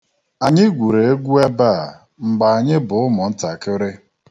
Anyị gwuru egwu ebe a mgbe anyị bụ ụmụntakịrị.